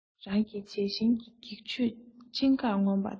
རང གི བྱད བཞིན གྱི སྒེག ཆོས ཅི འགར ངོམ པ དང